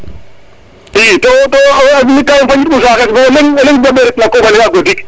i to to mi kam fañit u saxes bo o leŋ o leŋ saɗe ret na koɓale a godik